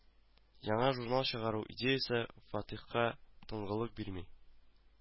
Яңа журнал чыгару идеясе Фатихка тынгылык бирми